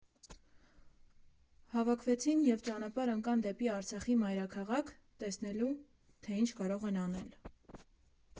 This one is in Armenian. Հավաքվեցին և ճանապարհ ընկան դեպի Արցախի մայրաքաղաք՝ տեսնելու, թե ինչ կարող են անել։